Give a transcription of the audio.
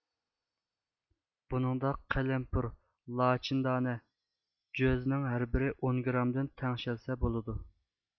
بۇنىڭدا قەلەمپۇر لاچىندانە جۆزنىڭ ھەربىرى ئون گرامدىن تەڭشەلسە بولىدۇ